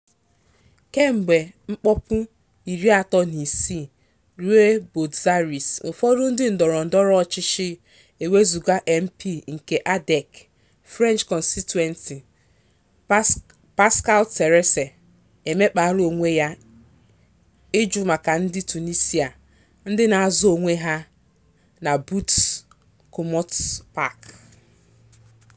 kemgbe mkpopu 36 rue Botzaris, ụfọdụ ndị ndọrọndọrọ ọchịchị, ewezuga MP nkeArdèche French Constituency, Pascal Terrasse – emekpala onwe ya ịjụ maka ndị Tunisia ndị na-azọ onwe ha na Buttes Chaumont Park.